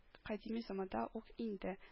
Кадими заманда ук инде